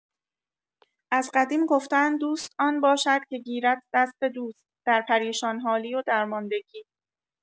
از قدیم گفتن "دوست آن باشد که گیرد دست دوست، در پریشان‌حالی و درماندگی".